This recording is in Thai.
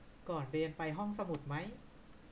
ก่อนเรียนไปห้องสมุดมั้ย